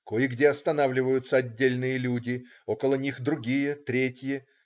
Кое-где останавливаются отдельные люди, около них другие, третьи.